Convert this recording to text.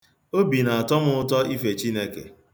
Obi na-atọ m ụtọ ife Chineke.